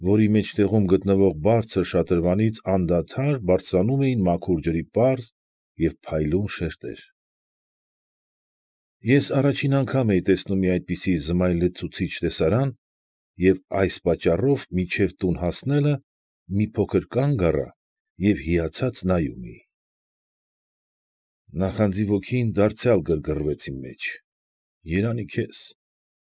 Իմ մեջ։ «Երանի քեզ,